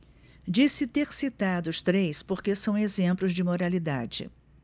disse ter citado os três porque são exemplos de moralidade